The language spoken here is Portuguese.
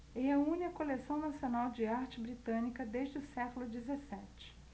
reúne a coleção nacional de arte britânica desde o século dezessete